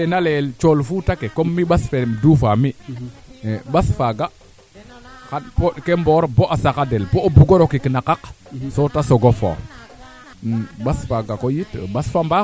anda ye nam aam o kooro leŋ a leya be'ese a tuup de e faaf ke soɓte duufa ɓasi yaaga presque Aout a faaxa te leyne a tuup de faaf kee dengam roog fee moom laŋ ke way ngumbaaku dufoona te sax